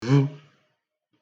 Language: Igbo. və